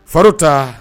Foro ta